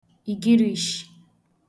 ìgirishì